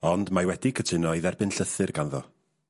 ond mae wedi cytuno i dderbyn llythyr ganddo.